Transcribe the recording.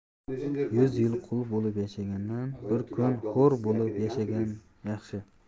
yuz yil qul bo'lib yashagandan bir kun hur bo'lib yashagan yaxshi